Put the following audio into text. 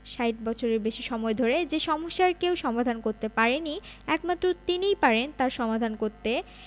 ৬০ বছরের বেশি সময় ধরে যে সমস্যার কেউ সমাধান করতে পারেনি একমাত্র তিনিই পারেন তার সমাধান করতে